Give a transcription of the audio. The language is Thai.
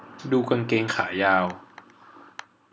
ดูกางเกงขายาว